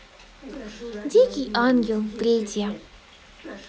дикий ангел третья